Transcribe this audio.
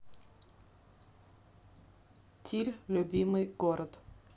тиль любимый город